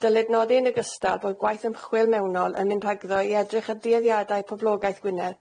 Dylid nodi yn ogystal bod gwaith ymchwil mewnol yn mynd rhagddo i edrych ar dueddiadau poblogaeth Gwynedd